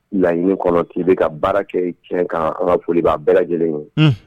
Laɲini kɔnɔ k'i bɛ ka baara kɛ tiɲɛ kan, an ka foli b'a bɛɛ lajɛlen ye, unhun